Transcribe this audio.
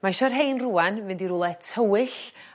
Ma' isio rhein rŵan mynd i rwle tywyll